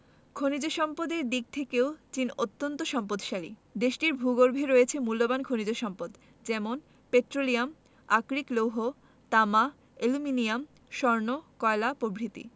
খনিজ সম্পদের দিক থেকেও চীন অত্যান্ত সম্পদশালী দেশটির ভূগর্ভে রয়েছে মুল্যবান খনিজ সম্পদ যেমনপেট্রোলিয়াম আকরিক লৌহ তামা অ্যালুমিনিয়াম স্বর্ণ কয়লা প্রভৃতি